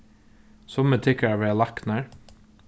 summi tykkara verða læknar